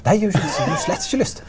nei eg hadde jo slettes ikkje lyst.